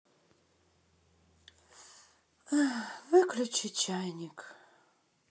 выключи чайник